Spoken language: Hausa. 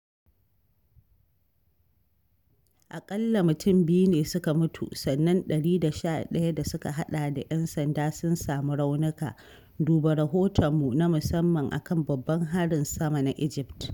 Aƙalla mutam biyu ne suka mutu sannan kuma 111 da suka haɗa da 'yan sanda sun samu raunuka (Duba rahotanmu na musamman a kan Baban Harin Ssama na Egypt).